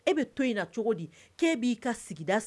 E bɛ to in na cogo di b ka sigi